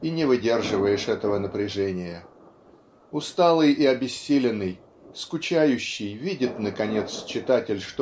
и не выдерживаешь этого напряжения. Усталый и обессиленный скучающий видит наконец читатель